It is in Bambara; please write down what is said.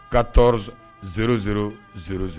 Ka tɔɔrɔ0z0z